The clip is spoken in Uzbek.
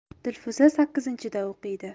dilfuza sakkizinchida o'qiydi